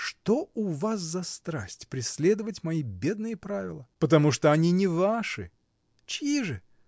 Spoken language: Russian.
— Что у вас за страсть преследовать мои бедные правила? — Потому что они не ваши. — Чьи же?